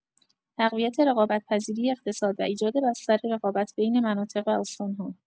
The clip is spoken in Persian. تقویت رقابت‌پذیری اقتصاد و ایجاد بستر رقابت بین مناطق و استان‌ها